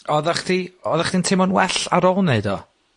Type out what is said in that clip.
Oddach chdi, Oddach chdi'n teimlo'n well ar ôl wneud o?